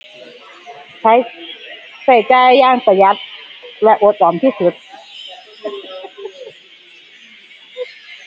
ใช้ ใช้จ่ายอย่างประหยัด และอดออมที่สุด